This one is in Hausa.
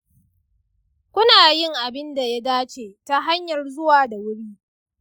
kuna yin abin da ya dace ta hanyar zuwa da wuri.